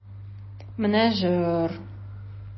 Менә җор!